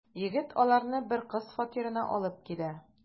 Егет аларны бер кыз фатирына алып килә.